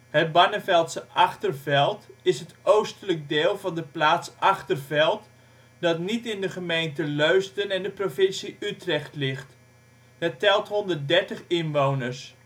Het Barneveldse Achterveld is het oostelijkste deel van de plaats Achterveld dat niet in de gemeente Leusden en de provincie Utrecht ligt. Het telt 130 inwoners